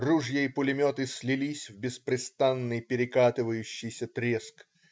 Ружья и пулеметы слились в беспрестанный, перекатывающийся треск.